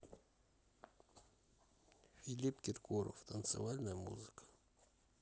филипп киркоров танцевальная музыка